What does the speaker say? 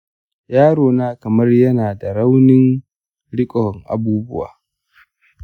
yarona kamar yana da raunin riƙon abubuwa